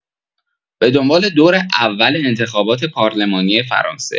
به دنبال دور اول انتخابات پارلمانی فرانسه